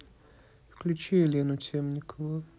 включи елену темникову